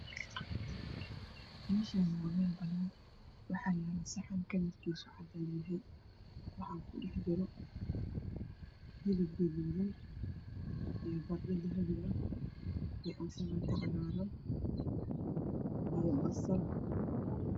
Meshani waa meel banan waxa yalan saxan kalarakiisu cadaan yahay waxa ku dhex jiro hilip gadudan iyo baradho dahabi ah iyo Ansalaato cagaran iyo basal